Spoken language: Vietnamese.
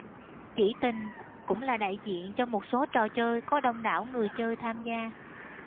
chỉ tình cũng là đại diện cho một số trò chơi có đông đảo người chơi tham gia